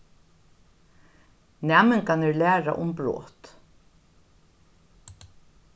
næmingarnir læra um brot